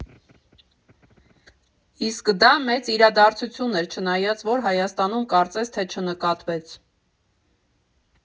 Իսկ դա մեծ իրադարձություն էր, չնայած, որ Հայաստանում կարծես թե չնկատվեց։